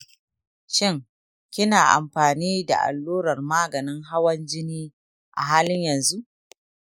shin kina amfani da allurar maganin hawan jini a halin yanzu?